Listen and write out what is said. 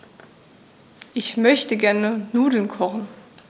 Ich möchte gerne Nudeln kochen.